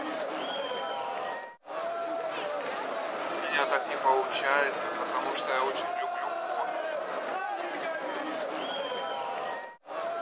у меня так не получается потому что я очень люблю кофе